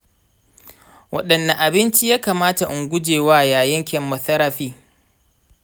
wadanne abinci ya kamata in guje wa yayin chemotherapy?